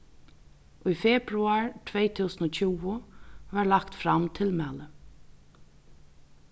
í februar tvey túsund og tjúgu varð lagt fram tilmæli